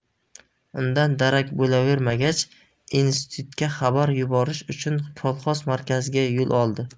undan darak bo'lavermagach institutga xabar yuborish uchun kolxoz markaziga yo'l oldi